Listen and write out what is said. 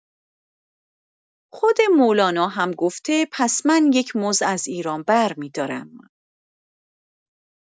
خود مولانا هم گفته پس من یک موز از ایران برمی‌دارم.